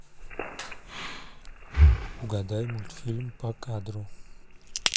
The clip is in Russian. угадай мультфильм по кадру